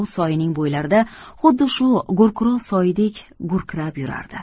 soyining bo'ylarida xuddi shu gurkurov soyidek gurkirab yurardi